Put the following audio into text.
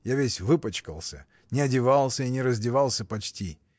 Я весь выпачкался, не одевался и не раздевался почти.